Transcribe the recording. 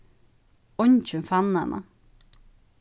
eingin fann hana